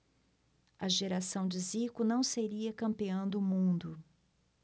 a geração de zico não seria campeã do mundo